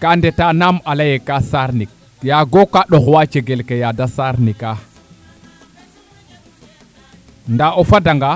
ga ndeta naam a leye ka a saarnik yaaago nga ɗox wa cegele ke yaade saarnika nda o fada nga